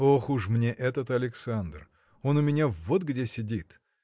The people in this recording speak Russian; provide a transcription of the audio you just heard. – Ох уж мне этот Александр: он у меня вот где сидит!